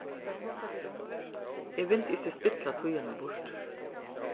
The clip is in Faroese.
eg vildi ikki spilla tíðina burtur